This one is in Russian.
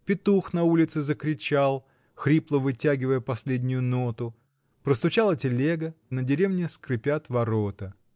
петух на улице закричал, хрипло вытягивая последнюю ноту, простучала телега, на деревне скрыпят ворота.